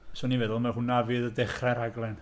'Swn ni'n meddwl mae hwnna'n fydd dechrau'r rhaglen.